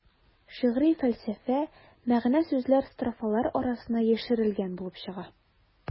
Шигъри фәлсәфә, мәгънә-сүзләр строфалар арасына яшерелгән булып чыга.